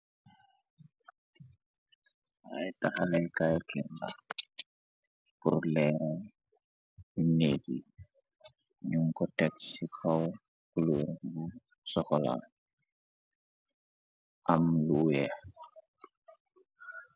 Ay taxale kerr la purleeral neek yi nunko teg ci xaw kulur bu sokola am lu weex.